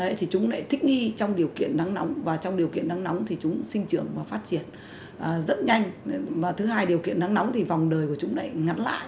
ấy thì chúng lại thích nghi trong điều kiện nắng nóng và trong điều kiện nắng nóng thì chúng sinh trưởng và phát triển ờ rất nhanh và thứ hai điều kiện nắng nóng thì vòng đời của chúng lại ngắn lại